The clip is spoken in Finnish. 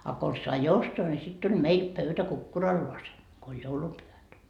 a konsa sai ostaa niin sitten tuli meille pöytä kukkuralleen kun oli joulupyhät